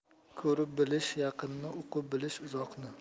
ko'rib bilish yaqinni o'qib bilish uzoqni